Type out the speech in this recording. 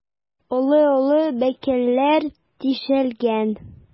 Олы-олы бәкеләр тишелгән.